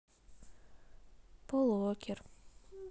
пол уокер